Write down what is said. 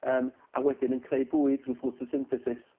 yym a wedyn yn creu bwyd drw ffotosynthesis.